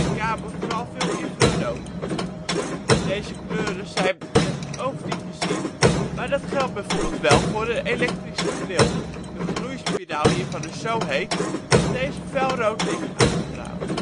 kamer vooral veel in het infrarood. Deze kleuren zijn met het oog niet te zien, maar dat geldt bijvoorbeeld wel voor een elektrische grill. De gloeispiraal hiervan is zo heet, dat deze fel rood licht uitstraalt